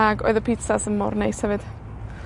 Ag oedd y pitsas yn mor neis hefyd.